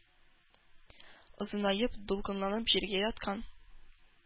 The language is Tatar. Озынаеп, дулкынланып, җиргә яткан.